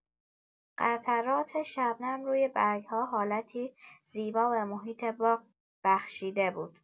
قطرات شبنم روی برگ‌ها حالتی زیبا به محیط باغ بخشیده بود.